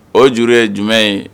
O juru ye jumɛn ye